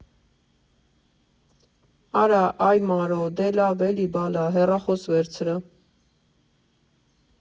Արա, այ Մարո, դե լավ էլի բալա, հեռախոս վերցրա։